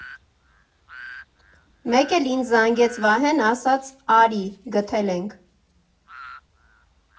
Մեկ էլ ինձ զանգեց Վահեն, ասաց արի՝ գտե՜լ ենք։